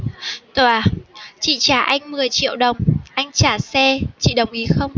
tòa chị trả anh mười triệu đồng anh trả xe chị đồng ý không